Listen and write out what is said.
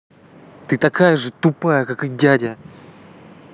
ты такая же тупая как и дядя